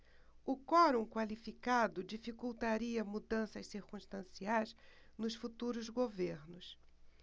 o quorum qualificado dificultaria mudanças circunstanciais nos futuros governos